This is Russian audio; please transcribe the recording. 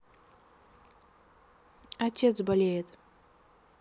отец болеет